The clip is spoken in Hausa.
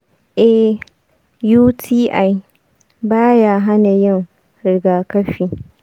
eh, uti ba ya hana yin rigakafi.